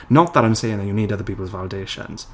Not that I'm saying that you need other people's validations.